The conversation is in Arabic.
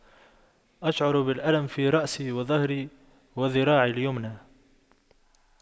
أشعر بالألم في رأسي وظهري وذراعي اليمنى